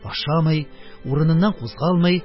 Ашамый, урыныннан кузгалмый,